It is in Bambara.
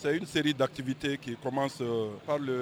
Sayiri seri datibite k kɔman sa ali